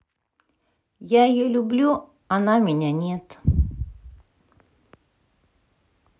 я ее люблю она меня нет